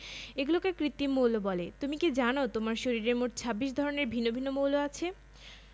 এ পরিচ্ছেদে আমরা ধান পাট সরিষা ও মাসকলাই এর জাত ও চাষ পদ্ধতি সম্পর্কে জানব ধান চাষ জমি নির্বাচনঃ বাংলাদেশে দানাজাতীয় ফসলের মধ্যে ধানের চাষ ও উৎপাদন সবচেয়ে বেশি